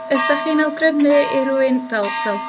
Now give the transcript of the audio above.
fysach chi'n awgrymu i rywun fel fel...